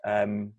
yym